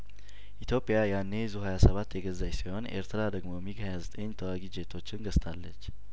ኢትዮጵያ ያኔ ዙ ሀያ ሰባት የገዛች ሲሆን ኤርትራ ደግሞ ሚግ ሀያ ዘጠኝ ተዋጊ ጄቶችን ገዝታለች